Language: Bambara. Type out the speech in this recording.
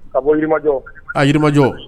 A bɔ jirijɔ a jirijɔ